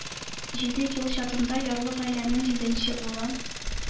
Җиде юл чатында, ярлы гаиләнең җиденче улы